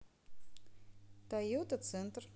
тойота центр